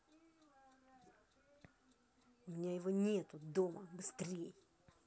у меня его нету дома быстрей